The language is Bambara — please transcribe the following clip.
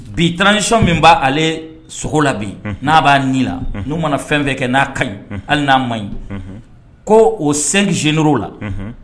Bi tan nisi min b' ale sogo la bi n'a b'a n la n'u mana fɛn fɛ kɛ n'a ka ɲi hali n'a ma ɲi ko o sen senr la